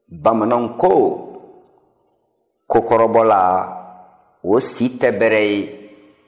bamananw ko ko kɔrɔbɔla o si tɛ bɛrɛ ye